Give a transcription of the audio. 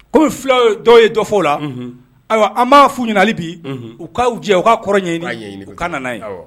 Ko fula dɔw ye dɔfɔ la ayiwa an b'a' ɲinili bi u k' jɛ u ka kɔrɔ ye u ka nana ye